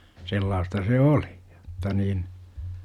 sellaista se oli jotta niin